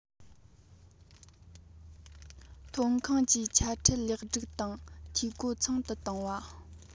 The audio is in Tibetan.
ཐོན ཁུངས ཀྱི དཔྱ ཁྲལ ལེགས སྒྲིག དང འཐུས སྒོ ཚང དུ གཏོང བ